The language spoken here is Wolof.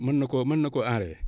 mën na koo mën na koo enrayé